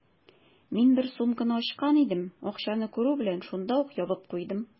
Мин бер сумканы ачкан идем, акчаны күрү белән, шунда ук ябып куйдым.